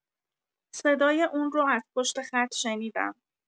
صدای اون رو از پشت خط شنیدم.